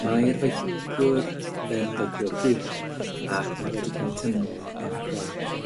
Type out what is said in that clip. Mae'r feiciwr yn feiciwr gwych ac mae wedi cael tymor anhygoel.